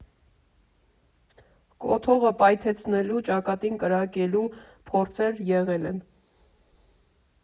«Կոթողը պայթեցնելու, ճակատին կրակելու փորձեր եղել են»